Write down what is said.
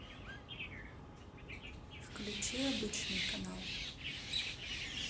включи обычный канал